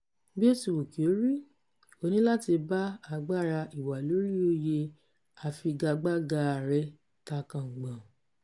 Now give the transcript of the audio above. Bíótiwùkíórí, ó ní láti bá agbára ìwàlóríoyè afigagbága rẹ̀ takọ̀ngbọ̀n.